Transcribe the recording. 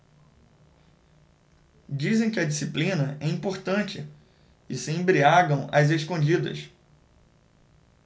dizem que a disciplina é importante e se embriagam às escondidas